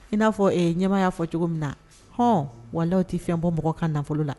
I n'a fɔ e ɲɛma'a fɔ cogo min na hɔn walaahi o tɛ fɛn bɔ mɔgɔ ka nafolo la